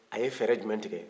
a ye fɛrɛ jumɛn tigɛ